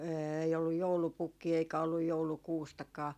ei ollut joulupukkia eikä ollut joulukuustakaan